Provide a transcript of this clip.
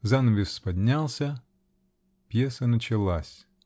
Занавес поднялся: пьеса началась.